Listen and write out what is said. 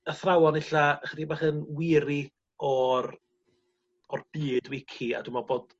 athrawon e'lla ychydig bach yn weary o'r o'r byd wici a dwi me'wl bod